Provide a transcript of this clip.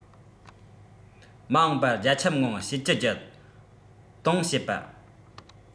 མ འོངས པར རྒྱ ཁྱབ ངང བྱེད ཀྱི བརྒྱུད གཏོང བྱེད པ